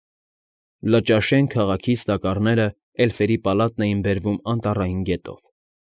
Լճաշեն քաղաքից տակառները էլֆերի պալատն էին բերվում Անտառային գետով։